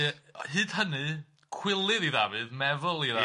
Ia hyd hynny, cywilydd i Ddafydd, meddwl i Ddafydd...